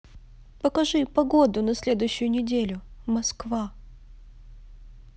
покажи погоду на следующую неделю москва